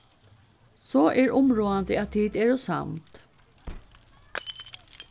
so er umráðandi at tit eru samd